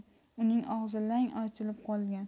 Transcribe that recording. uning og'zi lang ochilib qolgan